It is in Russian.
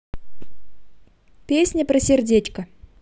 песня про сердечко